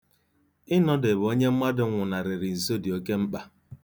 Ịnọdebe onye mmadụ nwụnarịrị nso dị oke mkpa.